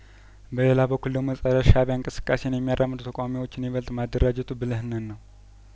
በሌላ በኩል ደግሞ ጸረ ሻእቢያ እንቅስቃሴን የሚያራምዱ ተቃዋሚዎችን ይበልጥ ማደራጀት ብልህነት ነው